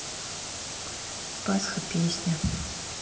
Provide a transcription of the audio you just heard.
пасха песня